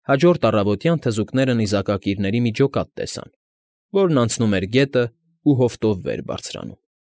Հաջորդ առավոտյան թզուկները նիզակակիրների մի ջոկատ տեսան, որն անցնում էր գետն ու հովտով վեր բարձրանում։